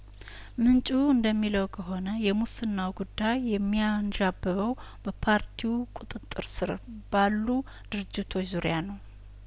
ምንጩ እንደሚለው ከሆነ የሙስናው ጉዳይ የሚያንዣብ በው በፓርቲው ቁጥጥር ስርባሉ ድርጅቶች ዙሪያነው